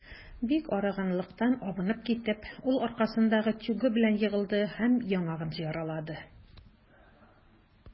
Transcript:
Бик арыганлыктан абынып китеп, ул аркасындагы тюгы белән егылды һәм яңагын яралады.